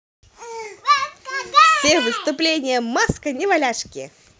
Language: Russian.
все выступления маска неваляшки